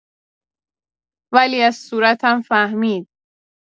ولی از صورتم فهمید.